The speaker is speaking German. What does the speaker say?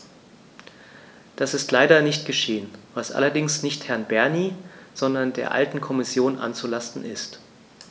Das ist leider nicht geschehen, was allerdings nicht Herrn Bernie, sondern der alten Kommission anzulasten ist.